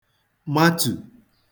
matù